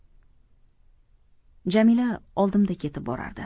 jamila oldimda ketib borardi